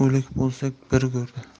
o'lik bo'lsak bir go'rda